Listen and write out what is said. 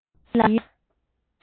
སླེབས ངེས ཡིན ལ